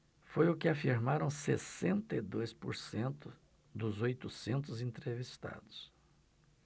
foi o que afirmaram sessenta e dois por cento dos oitocentos entrevistados